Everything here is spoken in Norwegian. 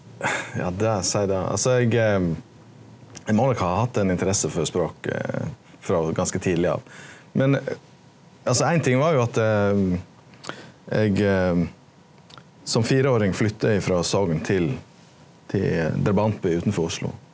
ja det sei det altså eg eg må nok har hatt ein interesse for språk frå ganske tidleg av men altso ein ting var jo at eg som fireåring flytta eg frå Sogn til til ein drabantby utanfor Oslo.